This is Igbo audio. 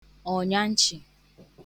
ọ̀nyanchị̀